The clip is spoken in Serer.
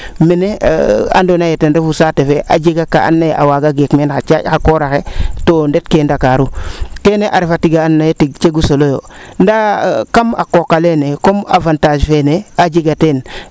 mene ando naye ten refu saate fee a jega kaa ando naye a waaga geek meen xa caand xa koora xe to ndet ke ndakaaru keene a refa tiya ando naye tig cegu solo yoo ndaa kam a qooqa leene comme avantage feene a jega teen